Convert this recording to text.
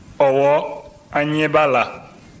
ɔwɔ an ɲɛ b'a la